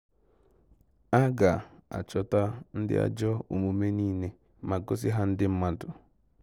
A ga-achọta ndị ajọ omume niile ma gosi ha ndị mmadụ.